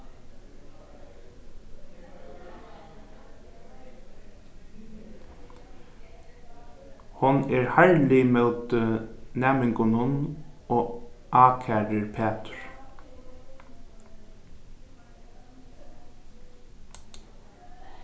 hon er harðlig móti næmingunum og ákærir pætur